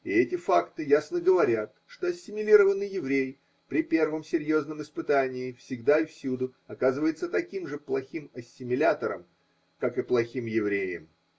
И эти факты ясно говорят, что ассимилированный еврей при первом серьезном испытании всегда и всюду оказывается таким же плохим ассимилятором, как и плохим евреем.